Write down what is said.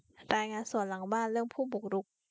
รายงานสวนหลังบ้านเรื่องผู้บุกรุก